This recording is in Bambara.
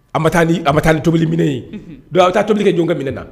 A taali a taali tobili minɛ don a bɛ taa tobili kɛ jɔnkɛ minɛ na